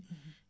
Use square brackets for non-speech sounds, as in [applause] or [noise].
[hesitation] [hesitation]